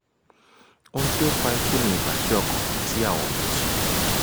Ohun tí ó ń fa ikú ni ìbàjẹ́ ọkàn tí a ò wò sàn.